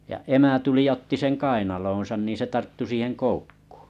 ja emä tuli ja otti sen kainaloonsa niin se tarttui siihen koukkuun